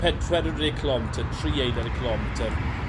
ped- pedwar deg cilometer tri eilad y cilometr.